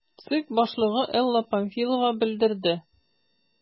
ЦИК башлыгы Элла Памфилова белдерде: